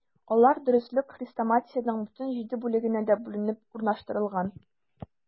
Алар дәреслек-хрестоматиянең бөтен җиде бүлегенә дә бүленеп урнаштырылганнар.